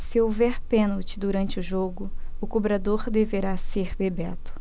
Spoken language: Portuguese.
se houver pênalti durante o jogo o cobrador deverá ser bebeto